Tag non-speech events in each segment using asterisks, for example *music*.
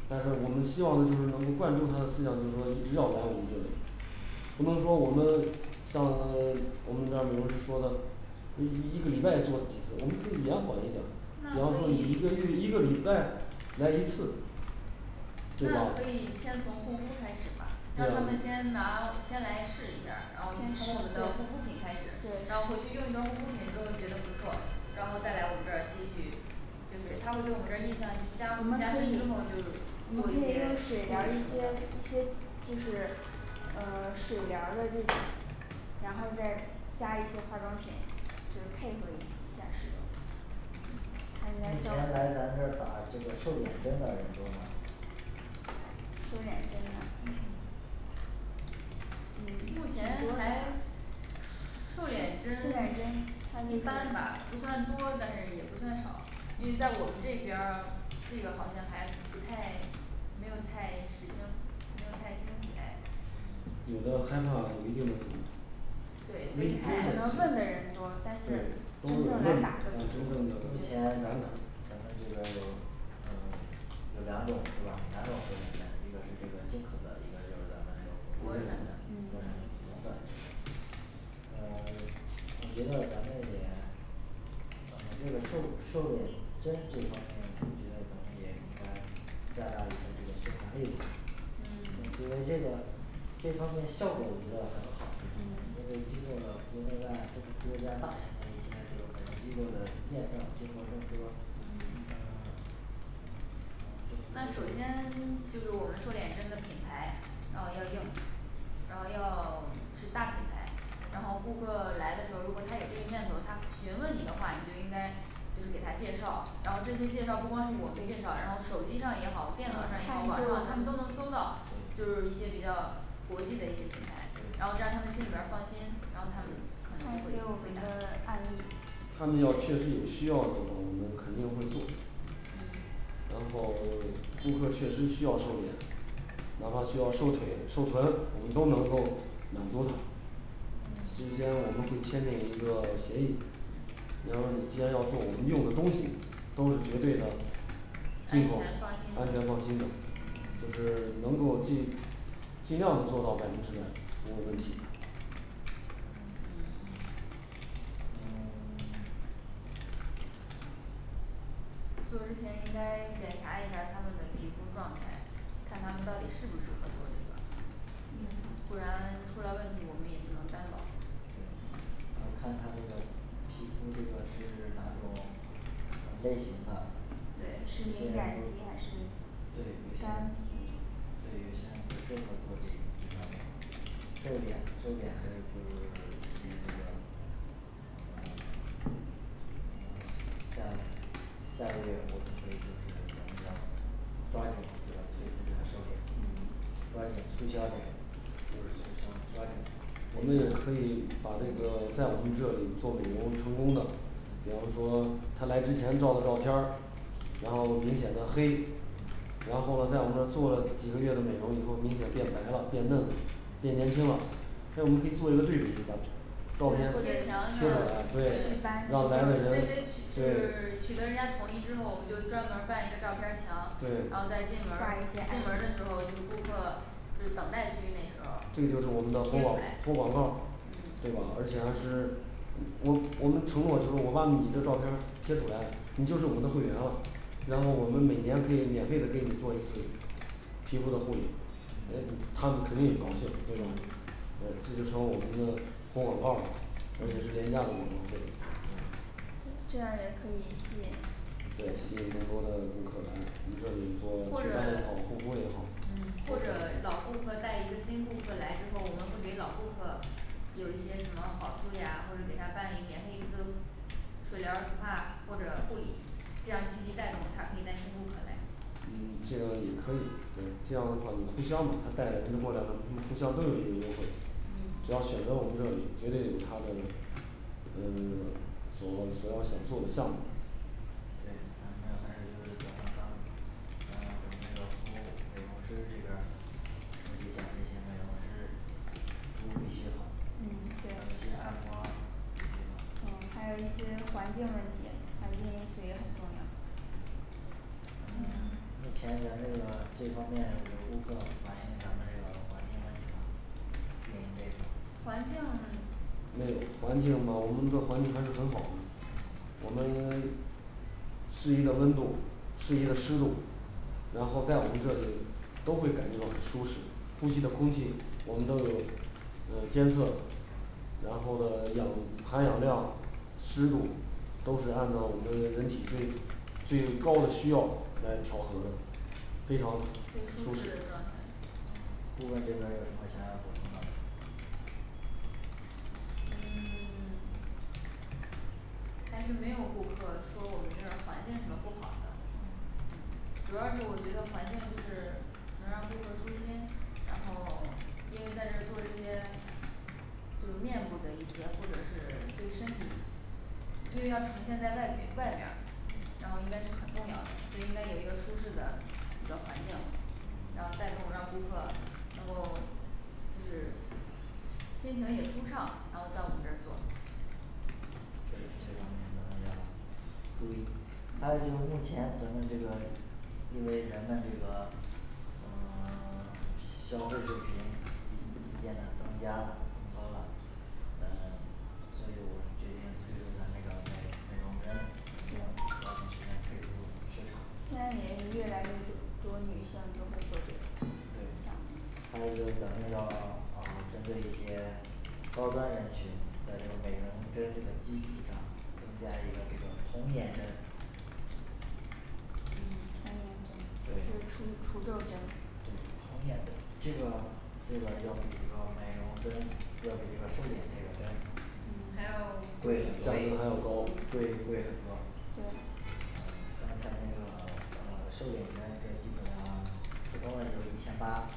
对但是我们希望呢就是能够灌输他的思想，就是说一直要来我们这里不能说我们像 *silence* 我们这儿美容师说的一一个礼拜做几次我们可以延缓一点儿那，比方可说你一以个月一个礼拜来一次那对吧你可以先从护肤开始吧，对让他们呀先拿先来试一下儿，然后从我们的护肤品开始，然后回先去试用一对段儿对护肤品之后觉得不错。然后再来我们这儿继续就是他们对我们这儿印象加加深以后，就是我们可以用水疗儿一些一些就是呃水疗儿的这种然后再加一些化妆品，就是配合一下使用还嗯应该目送前来咱这儿打这个瘦脸针的人多吗？瘦脸针呐嗯嗯 *silence* 挺目前多的吧还瘦瘦脸脸针针它就一般是吧不算多，但是也不算少因为在我们这边儿这个好像还不太没有太时兴，没有太兴起来有的害怕有一定的他对没租出可去能问的人多，但对是都真是正问的来嗯打的不真正多目的前咱们咱们这边儿有呃有两种是吧？两种瘦脸针，一个是这个进口的，一个就是咱们那个国产国的产嗯的普通的呃 *silence* 我觉得咱们也呃这个瘦瘦脸针这方面我觉得咱们也应该加大一些这个宣传力嗯度。我觉得这个这方面效果不要很好，嗯因为经过了国内外这么多家大型的一些就是机构的验证，经过这么多嗯 *silence* 经那不首住事儿先就是我们说衍生的品牌，然后要用然后要是大品牌然后顾客来的时候，如果他有这个念头，他询问你的话，你就应该就是给他介绍，然后这些介绍不光是我可以介绍，然后手机上也好，电脑上也好看一些我网上，们她们都能搜到对就是一些比较国际的一些品牌，对然后让他们心里边儿放心，然后他们肯看一定会些我们的案例他们要确实有需要的话，我们肯定会做嗯然后 *silence* 顾客确实需要瘦脸哪怕需要瘦腿瘦臀，我们都能够满足他嗯 *silence* 事先我们会签订一个协议然后你既然要做我们用的东西都是绝对的安安安全放心全放心的就是能够尽尽量的做到百分之百服务问题嗯 *silence* 做之前应该检查一下儿他们的皮肤状态看他们到底适不适合做这个嗯不然出来问题我们也不能担保嗯看他这个个皮肤这个是哪种类型的对是敏感肌还是对干肤对于现在的收款过节有什么看法瘦脸瘦脸还是说 *silence* 一些这个呃 *silence* 呃 *silence* 下个下个月我们可以就是咱们在抓紧这个推出这个瘦脸嗯抓紧促销这个就是线上抓紧我们也可以把这个在我们这里做美容成功的比方说他来之前照的照片儿然后明显的黑嗯然后了在我们这儿做了几个月的美容以后，明显变白了变嫩了，变年轻了跟我们可以做一个对比一下照片贴贴墙起上来对祛斑让来的人就对是取得人家同意之后，我们就专门儿办一个照片儿墙，对然后在挂进门儿一一进些门儿的时候就是顾客就是等待区那时候这就是我们的活广贴出来活广告儿嗯对吧，而且还是我 *unintelligible* 我我们承诺就是我把你的照片儿贴出来，你就是我们的会员了，然后我们每年可以免费的给你做一次皮肤的护理哎嗯他们肯定也高兴对吧？嗯对，这就成我们的活广告儿，而且嗯时间价格我们会嗯这样儿也可以吸引对吸引更多的顾客来，我们这里做或祛斑也好，者护肤也好嗯或者老顾客带一个新顾客来之后，我们会给老顾客有一些什么好处呀，或者给他办一个免费搜 *unintelligible* 速疗儿spa或者护理这样积极带动他可以带一些顾客来嗯 *silence* 这个也可以对，这样的话你互相把他带人过来了，他们互相都有一个优惠嗯只要选择我们这里绝对有他的呃 *silence* 所所要想做的项目对咱们还是就是调查干部嗯咱们这个服务美容师这边儿收拾一下这些美容师服务期好嗯有对些按摩行啊嗯还有一些环境问题，环境因素也很重要嗯 *silence* 目前咱这个这方面，有顾客反映咱们这个环境问题吗原因这个环境 *silence* 没有环境吧我们的环境还是很好的我们 *silence* 适宜的温度适宜的湿度然后在我们这里都会感觉到很舒适，呼吸的空气我们都有呃监测然后的氧含氧量湿度都是按照我们人体对最高的需要来调和的非常舒舒舒适适的状态嗯顾问这边儿有什么想要补充的吗嗯 *silence* 暂时没有顾客说我们这儿环境什么不好的嗯主要是我觉得环境就是能让顾客舒心，然后因为在这儿做这些就是面部的一些或者是对身体因为要呈现在外面外边儿嗯，然后应该是很重要的，所以应该有一个舒适的一个环境然后再跟我让顾客能够就是心情也舒畅，然后在我们这儿做就是这方面咱们要注意还有就是目前咱们这个因为人们这个呃 *silence* 消费水平逐渐的增加增高了呃所以我决定推出咱这个美美容针对抓紧时间推出市场现在也越来越多多女性都会做这种对项目还有就是咱们要哦针对一些高端人群，在这个美容跟基础上增加一个这个童颜针嗯童颜对针就是除除皱针对童颜的这个这个要比这个美容针要比这个瘦脸这个针嗯还要，贵一价格点贵还要嗯很高多，会贵很多对嗯刚才那个呃瘦脸员就是基本上普通的有一千八，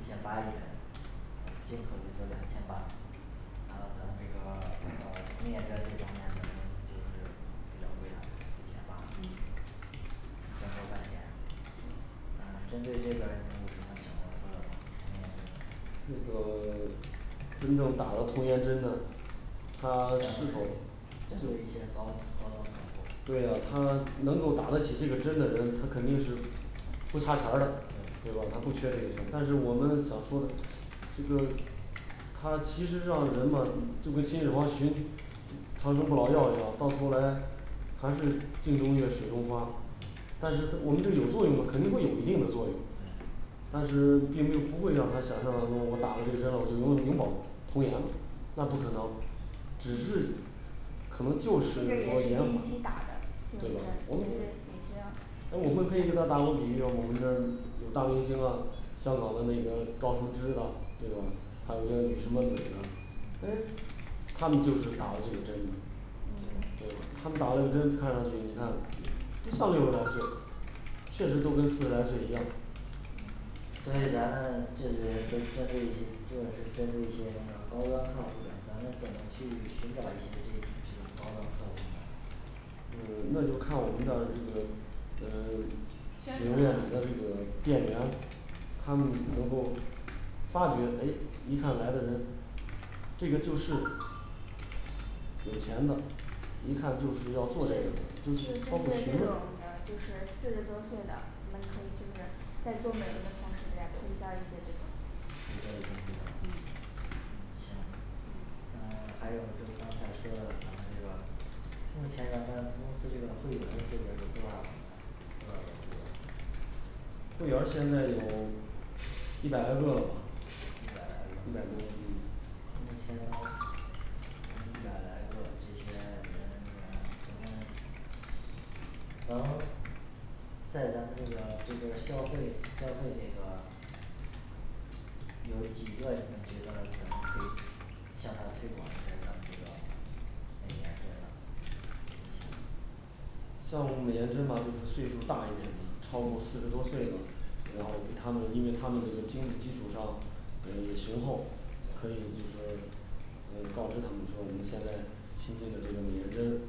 一千八百元尽可能就两千八呃咱这个呃童颜针这方面咱们就是比较贵了四千八嗯五千多块钱呃针对这个你有什么想要说的吗运营这边儿这个 *silence* 真正打了童颜针的他 *silence* 是否做一些高高端客户对呀，他能够打得起这个针的人，他肯定是不差钱儿的，嗯对吧？他不缺这个钱，但是我们想说的就是他其实让人吧就跟秦始皇寻嗯长生不老药一样，到头来还是镜中月水中花但是我们就有作用了，肯定会有一定的作用对但是并没有不会让他想象当中我打了这个针了，我就能够永葆童颜那不可能只是可能就这是说边儿也是延定缓期打的对对的吧我我们们这就边儿也是要是我们可以给他打个比喻，我们这儿有大明星啊，香港的那个赵什么芝啊对吧？还有一个李什么美呢？诶他们就是打了这个针嗯嗯对的他们打这个针，看上去你看不像六十来岁确实都跟自然是一样嗯所以咱们这个这针对于这是针对一些那个高端客户儿的，咱们怎么去寻找一些这这种高端客户儿呢嗯那就看我们的这个呃 *silence* 宣美容院传里面儿这个店员他们能够发觉诶一看来的人这个就是有钱的一看就是要这个就是针对做这个的这种的就是四十多岁的，我们可以就是在做的一个同时给他推销一些这个推销一些嗯这种嗯行嗯还有嗯就刚才说的咱们这个目前咱们公司这个会员这个有多大多大年纪的会员儿现在有一百来个吧一百来个一百多嗯目前能一百来个这些人员，咱们能在咱们这个就是消费消费这个有几个人觉得咱们可以向他推广一下咱们这个美颜针啊像我们美颜针吧就是岁数儿大一点的超过四十多岁了然后给他们因为他们的这个经济基础上北雄厚可以就是说呃告知他们说我们现在新进的这个美颜针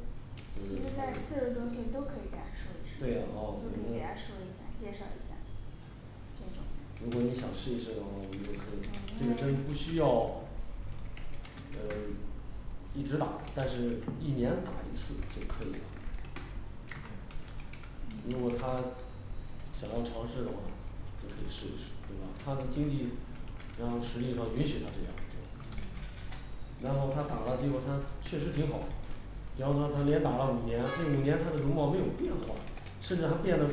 呃其实在四十多岁都可以给他说一声对呀哦就可以给他说一下介绍一下如果你想试一试的话，我觉得可以这这个种针不因为需要呃 *silence* 一直打，但是一年打一次就可以了嗯嗯如果他想要尝试的话就可以试一试对吧？它的经济然后实际上允许他这样做嗯然后他打了，结果他确实挺好比方说他连打了五年，这五年他的容貌没有变化甚至还变得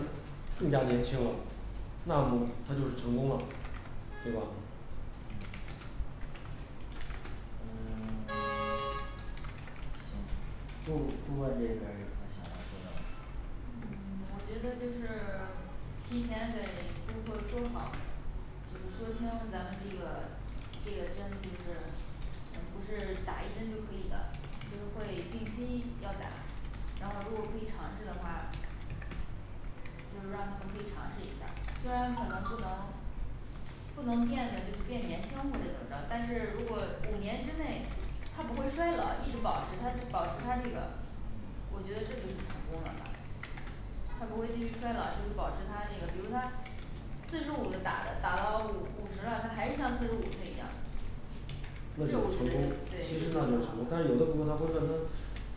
更加年轻了那么它就是成功了对吧？嗯嗯 *silence* 行顾顾问这边儿呢有什么想要说的吗嗯 *silence* 我觉得就是 *silence* 提前给顾客说好就是说清咱们这个这个针不是嗯不是打一针就可以的就是会定期要打然后如果可以尝试的话就是让他们可以尝试一下，虽然可能不能不能变的就是变年轻或者怎么着，但如果五年之内他不会衰老，一直保持他保持他这个嗯我觉得这就是成功了他不会继续衰老，就是保持他这个比如他四十五了打打了五五十了，他还是像四十五岁一样这我觉得就这那就是成功，其实就挺那就是成功，好了但是有的顾客他会问他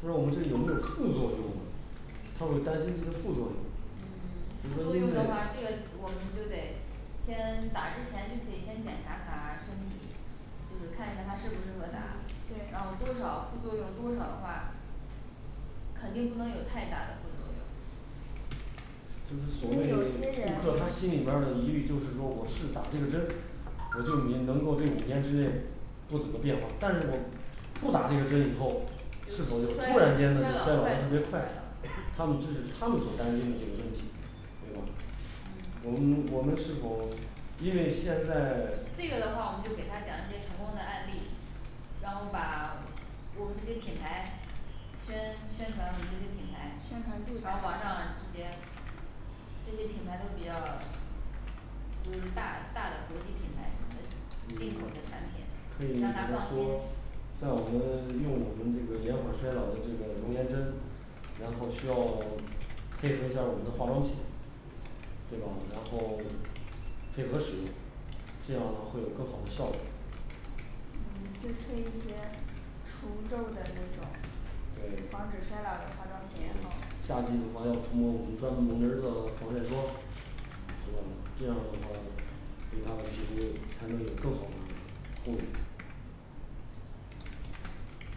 他说我们这里有没有副作用啊他会担心这个副作用嗯 *silence* 只副作能因用为的话这个我们就得先打之前就可以先检查他身体就是看一下它适不适合嗯打，对然后多少副作用多少的话就是其所谓实有些顾客他人心里面儿的疑虑就是说我是打这个针，我就你能够这五年之内不怎么变化，但是我不打这个针以后是否就突突然然有天间的就衰衰老老了，特别的快快啊，他 *hesitation* 们这是他们所担心的这个问题对吧嗯我们我们是否因为现在这个的话，我们就给他讲一些成功的案例然后把 *silence* 我们这些品牌宣宣传我们这些品牌，宣传度然后吧网上这些这些品牌都比较就是大大的国际品牌什么的进口的嗯产可以品，给让他他放心说在我们用我们这个延缓衰老的这个容颜针然后需要配合一下我们的化妆品对吧？然后配合使用这样呢会有更好的效果嗯 *silence* 就推一些除皱儿的那种对防止衰老的化妆品然后夏季的话要涂抹我们专门儿防晒霜这样这样的话对他的皮肤才能有更好的作用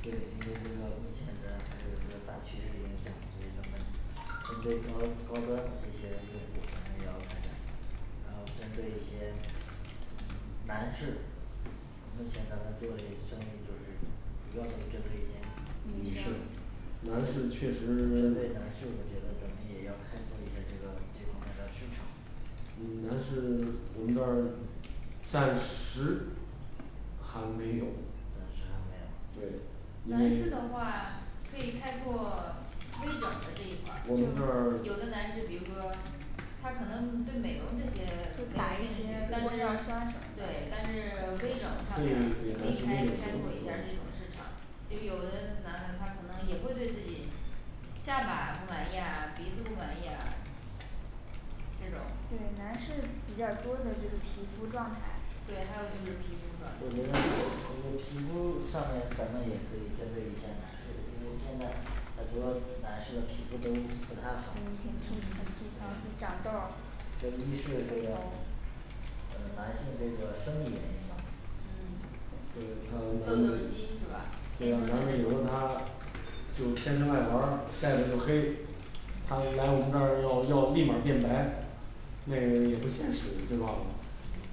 对，因为这段目前咱还有这个大趋势影响，所以咱们针对高高端这些用户咱们也要开展然后针对一些男士目前咱们做嘞生意就是主要就是针对一些女女性士男士确针实对男士我觉得咱们也要开拓一下这个这方面的市场。嗯男士我们这儿暂时还没有对暂时还没有对因男士为的话可以开拓微整的这一块儿我们这儿有的男士比如说他可能对美容这些，对跟对，打一些玻尿酸什么的但是微整方会面儿可以开给咱开拓一下儿这种市场就给有的男的他可能也会对自己下巴不满意啊，鼻子不满意啊这对种男士比较多的就是皮肤状态对，还有就是皮肤我觉得状态我觉皮肤上面咱们也可以针对一些男士，因为现在很很多男士的皮肤都不太好嗯皮肤很粗糙会长痘儿就一是这个呃男性这个生理原因吧就嗯是痘他痘男儿的的基因是吧？天对生男的的这有种的他就是天生爱玩儿，晒得又黑他来我们这儿要要立马变白那个也不现实对吧？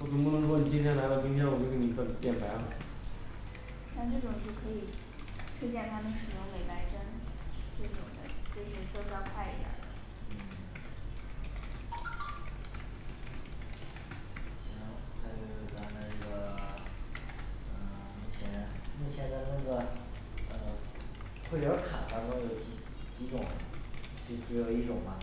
嗯总不能说你今天来了，明天我就给你可变白了像这种就可以推荐他们使用美白针这种的就是奏效快一点儿的。嗯行那就是咱们这个呃目前目前咱们那个嗯 *silence* 会员儿卡当中有几种就只有一种嘛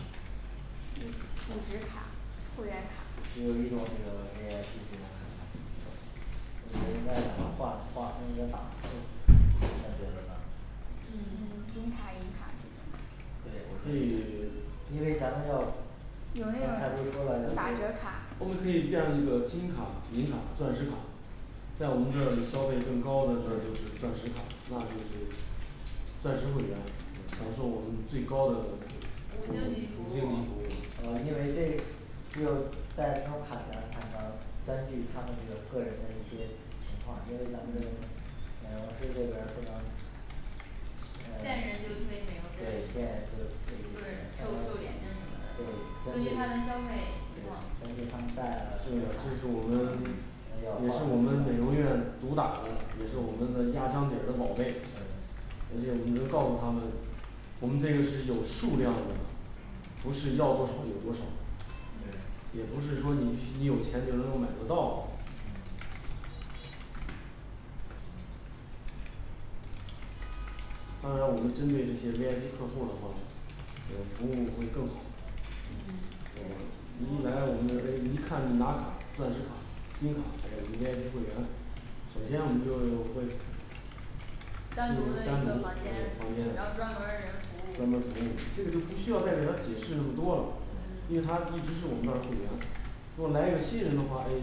嗯储值卡会员卡只有一种这个V I P这种卡吗我觉得应该把它划划分一个档次你们觉得呢嗯嗯金卡银卡这种可对以。因为咱们要有那刚才不是说了种打折卡我们可以建一个金卡、银卡、钻石卡在我们这里消费更高的就是钻石卡，那就是钻石会员，享对受我们最高的五星级五星服务，级服务啊因为这只有带这种卡，咱才能根据他们这个个人的一些情况因为咱们这个美美容师这边儿就能见人呃就推美对容针见人不就推是瘦瘦脸针什么咱对的根根据据根据他们消费情况他们带来的所会以员这是我卡们也是我们美容院主打的，也是我们的压箱底儿的宝贝这些我们都告诉他们都我们这个是有数量的不是要多少有多少对也不是说你你有钱就能够买得到嗯行当然我们针对这些V I P客户儿的话呃服务会更好嗯对你一来我们这诶一看你拿卡钻石卡金卡诶V I P会员首先我们就单独会单单独独的一嗯个房房间间，，然后专门儿的人服务嗯专门儿服务，这个就不需要再给他解释那么多了因为他一直是我们的会员如果来一个新人的话，诶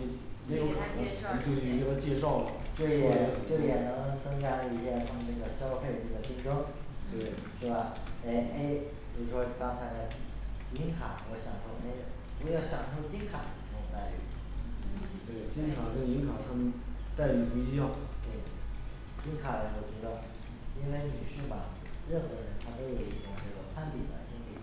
你没给有卡他的介我们就绍去给他介绍了这也这也能增加一些他们这个消费这个竞争。对是吧？哎诶比如说刚才那银卡我想说诶，我要享受金卡的那种待遇对嗯对金卡和银卡他们待遇不一样对金卡的我觉得因为女士嘛任何人她都有一种这个攀比的心理